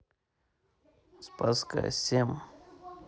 спасская семь